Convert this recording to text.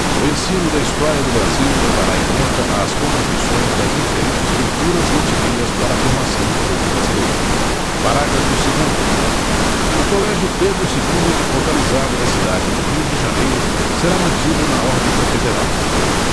o ensino da história do brasil levará em conta as contribuições das diferentes culturas e etnias para a formação do povo brasileiro parágrafo segundo o colégio pedro segundo localizado na cidade do rio de janeiro será mantido na órbita federal